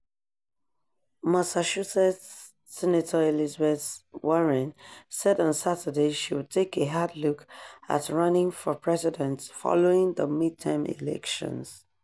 Massachusetts Senator Elizabeth Warren said on Saturday she would take a "hard look" at running for president following the midterm elections.